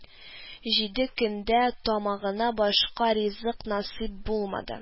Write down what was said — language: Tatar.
Җиде көндә тамагына башка ризык насыйп булмады